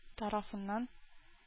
Тарафыннан